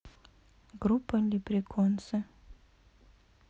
группа леприконсы